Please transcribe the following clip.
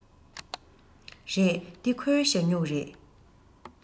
རེད འདི ཁོའི ཞ སྨྱུག རེད